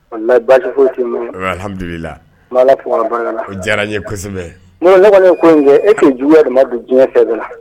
Jugu diyara n ye kosɛbɛ ne ne ko in kɛ e tun diɲɛ de ma don diɲɛ sɛbɛn